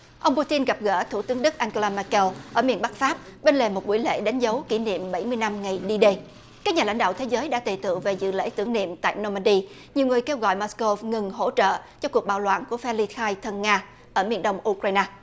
ông pu tin gặp gỡ thủ tướng đức an gờ la mơ keo ở miền bắc pháp bên lề một buổi lễ đánh dấu kỷ niệm bảy mươi năm ngày đi đây các nhà lãnh đạo thế giới đã tề tựu về dự lễ tưởng niệm tại no mờ đi nhiều người kêu gọi ma xừ câu ngừng hỗ trợ cho cuộc bạo loạn của phe ly khai thân nga ở miền đông u cờ rai na